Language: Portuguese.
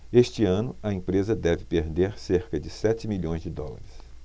este ano a empresa deve perder cerca de sete milhões de dólares